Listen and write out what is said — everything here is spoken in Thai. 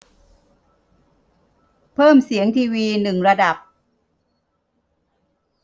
เพิ่มเสียงทีวีหนึ่งระดับ